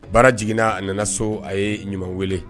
Baara jiginna a nana so, a ye Ɲuman wele